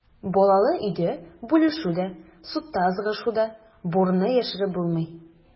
Балалы өйдә бүлешү дә, судта ызгышу да, бурны яшереп булмый.